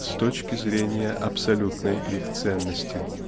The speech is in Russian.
с точки зрения абсолютной их ценности.